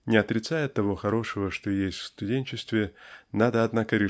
Не отрицая того хорошего, что есть в студенчестве, надо, однако, .